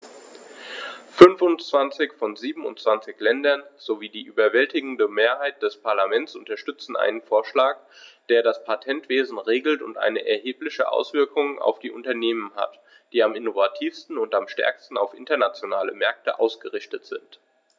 Fünfundzwanzig von 27 Ländern sowie die überwältigende Mehrheit des Parlaments unterstützen einen Vorschlag, der das Patentwesen regelt und eine erhebliche Auswirkung auf die Unternehmen hat, die am innovativsten und am stärksten auf internationale Märkte ausgerichtet sind.